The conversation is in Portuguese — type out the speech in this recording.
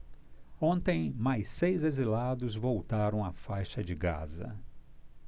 ontem mais seis exilados voltaram à faixa de gaza